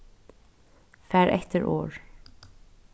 far eftir orð